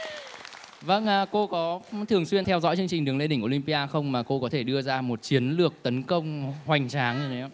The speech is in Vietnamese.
vâng ạ cô có thường xuyên theo dõi chương trình đường lên đỉnh ô lim pi a không mà cô có thể đưa ra một chiến lược tấn công hoành tráng như thế